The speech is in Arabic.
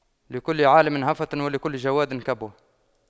لكل عالِمٍ هفوة ولكل جَوَادٍ كبوة